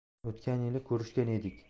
o'tgan yili ko'rishgan edik